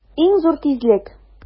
Иң зур тизлек!